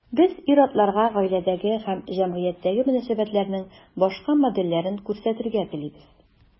Без ир-атларга гаиләдәге һәм җәмгыятьтәге мөнәсәбәтләрнең башка модельләрен күрсәтергә телибез.